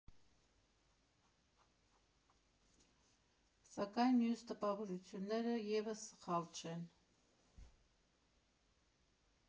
Սակայն մյուս տպավորությունները ևս սխալ չեն։